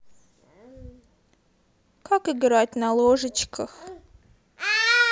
как играть на ложечках